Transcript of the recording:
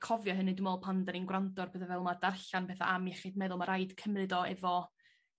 cofio hynny dwi me'wl pan 'dan ni'n gwrando ar petha fel 'ma darllan betha am iechyd meddwl ma' raid cymryd o efo